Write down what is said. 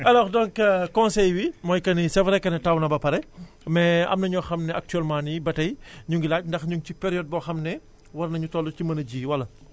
alors donc donc conseils wi mooy que ni c' vrai que ni taw na ba pare mais am na ñoo xam ne actuellement nii ba tey ñu ngi laaj ndax ñu ngi ci période boo xam ne war nañu toll ci mën a ji wala